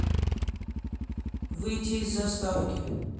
выйти из заставки